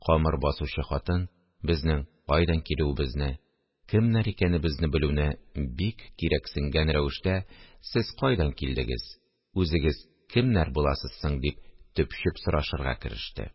Камыр басучы хатын безнең кайдан килүебезне, кемнәр икәнебезне белүне бик кирәксенгән рәвештә: – Сез кайдан килдегез, үзегез кемнәр буласыз соң? – дип төпчеп сорашырга кереште